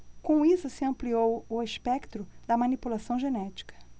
com isso se ampliou o espectro da manipulação genética